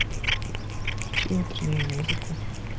включи утреннюю музыку